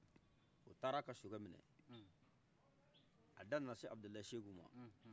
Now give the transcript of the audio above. o tara ka sokɛ minɛ a da nana se abudulayi seku ma